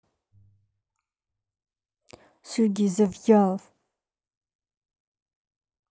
сергей завьялов